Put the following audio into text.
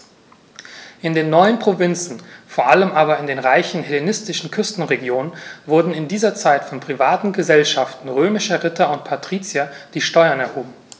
In den neuen Provinzen, vor allem in den reichen hellenistischen Küstenregionen, wurden in dieser Zeit von privaten „Gesellschaften“ römischer Ritter und Patrizier die Steuern erhoben.